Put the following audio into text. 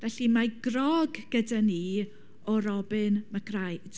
Felly, mae grogg gyda ni o Robin McBride.